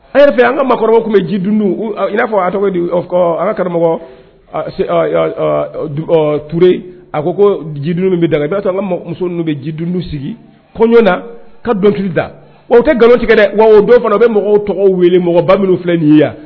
A y'a fɛ an ka mɔgɔkɔrɔba tun bɛ jid n'a fɔ a tɔgɔ de an karamɔgɔ tuure a ko ko jid min bɛ da i b'a sɔrɔ muso bɛ jid sigi koɲ na ka dɔnkili da o tɛ nkalonlo tigɛ dɛ wa o bɛɛ fana u bɛ mɔgɔw tɔgɔ wele mɔgɔ ba minnu filɛ nin ye yan